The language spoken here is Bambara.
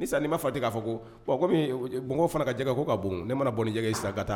Ni ni n maa fa tɛ k'a fɔ ko kɔmi b fana kajɛgɛ ko ka bon ne mana bɔjɛgɛ sisan ka taa